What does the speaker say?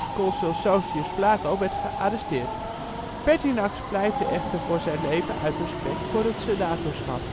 consul Sosius Flaco, werd gearresteerd. Pertinax pleitte echter voor zijn leven uit respect voor het senatorschap